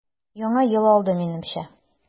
Яңа ел алды, минемчә.